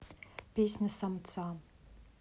песня самца